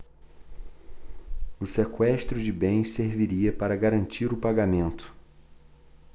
o sequestro de bens serviria para garantir o pagamento